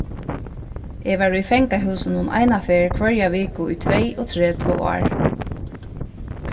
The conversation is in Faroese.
eg var í fangahúsinum eina ferð hvørja viku í tveyogtretivu ár